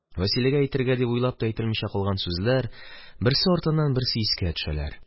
Вәсиләгә әйтергә дип уйлап та әйтелмичә калган сүзләр берсе артыннан берсе искә төшәләр.